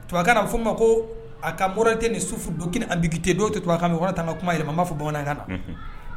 To na f'o ma ko a kaɔr tɛ ni sufuk an biki do to tan ka kuma ye yɛlɛma ma b'a fɔ bamanankan na